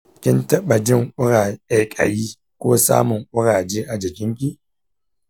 kin taba jin kaikayi ko samun ƙuraje a jikinki?